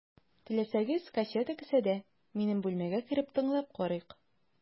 Теләсәгез, кассета кесәдә, минем бүлмәгә кереп, тыңлап карыйк.